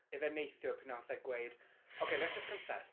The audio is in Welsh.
Yfe neithiwr pan wnaeth e gweud "ok, let's just confess"...